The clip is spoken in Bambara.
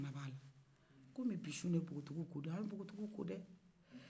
kɔm bi suni dun ye o ko don ye an ye bogotigiw ko dɛ